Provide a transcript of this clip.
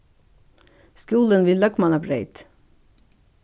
skúlin við løgmannabreyt